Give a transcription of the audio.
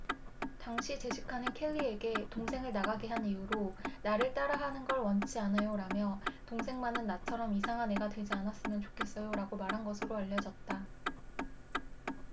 당시 제시카는 켈리에게 동생을 나가게 한 이유로 나를 따라 하는 걸 원치 않아요라며 동생만은 나처럼 이상한 애가 되지 않았으면 좋겠어요라고 말한 것으로 알려졌다